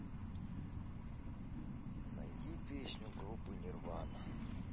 найди песню группы нирвана